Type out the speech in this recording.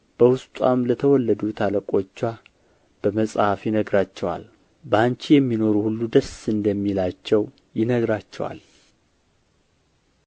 በውስጥዋም ለተወለዱት አለቆችዋ በመጽሐፍ ይነግራቸዋል በአንቺ የሚኖሩ ሁሉ ደስ እንደሚላቸው ይነግራቸዋል